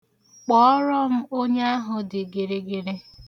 Kpọọrọ onye ahụ dị gịrịgịrị.